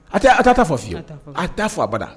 Ha tɛ . A ta ta fiywu, a ta fɔ abada.